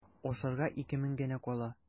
Ашарга ике мең генә кала.